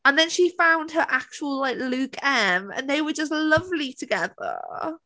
And then she found her actual like Luke M, and they were just lovely together.